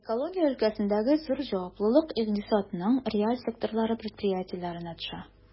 Экология өлкәсендәге зур җаваплылык икътисадның реаль секторлары предприятиеләренә төшә.